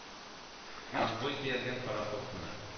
Конвой төялгән пароход кына